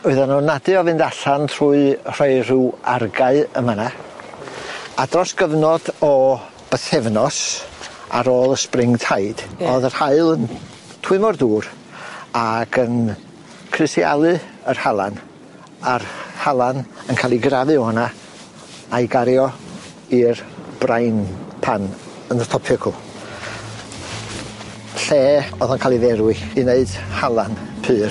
Oeddan n'w'n nadu o fynd allan trwy rhoi rhyw argae yn fan 'na a dros gyfnod o bythefnos ar ôl y Spring Tide o'dd yr haul yn twymo'r dŵr ac yn crisialu yr halan a'r halan yn cael ei grafu ona a'i gario i'r brain pan yn y topia fan 'cw lle o'dd o'n cael ei ferwi i neud halan pur.